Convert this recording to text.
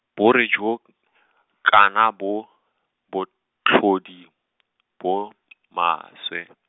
bore jo , kana bo, botlhodi, bo, maswe.